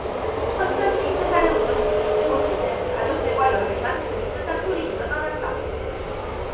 컨설팅 회사를 운영 중인 이 모 씨는 가족들과 열흘간 그리스 산토리니로 떠난다